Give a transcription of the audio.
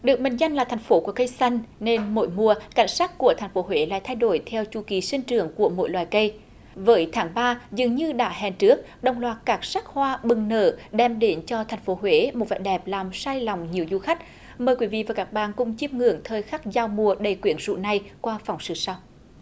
được mệnh danh là thành phố của cây xanh nên mỗi mùa cảnh sắc của thành phố huế lại thay đổi theo chu kỳ sinh trưởng của mỗi loài cây với tháng ba dường như đã hẹn trước đồng loạt các sắc hoa bừng nở đem đến cho thành phố huế một vẻ đẹp làm say lòng nhiều du khách mời quý vị và các bạn cùng chiêm ngưỡng thời khắc giao mùa đầy quyến rũ này qua phóng sự sau